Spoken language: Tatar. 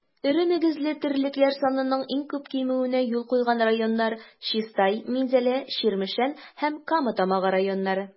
Эре мөгезле терлекләр санының иң күп кимүенә юл куйган районнар - Чистай, Минзәлә, Чирмешән һәм Кама Тамагы районнары.